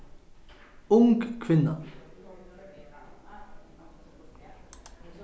ung kvinna